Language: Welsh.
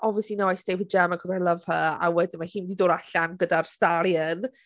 "Obviously no, I stayed with Gemma because I love her." A wedyn mae hi'n mynd i dod allan gyda'r stallion...